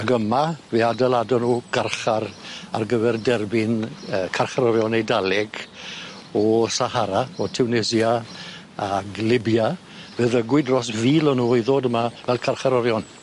Ag yma fe adeiladon nw garchar ar gyfer derbyn yy carcharorion Eidalig o Sahara o Tiwnesia ag Libia, fe ddygwyd dros fil o nw i ddod yma fel carcharorion.